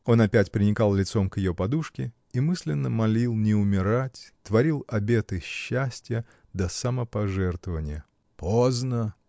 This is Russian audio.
” Он опять приникал лицом к ее подушке и мысленно молил не умирать, творил обеты счастья до самопожертвования. “Поздно!